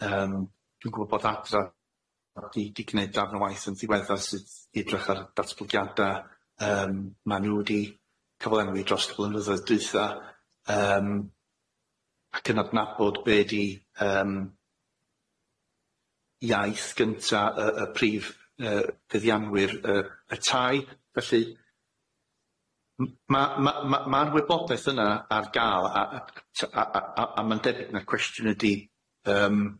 Yym dwi'n gwbod bod adra di di gneud darn o waith yn ddiweddar sydd i edrych ar datblygiada yym ma' nw wedi cyflenwi dros y blynyddoedd dwitha yym ac yn adnabod be' di yym iaith gynta y y prif yy fuddianwyr y y tai felly m- ma' ma' ma' ma'r wybodaeth yna ar ga'l a a a a a a ma'n debyg na'r cwestiwn ydi yym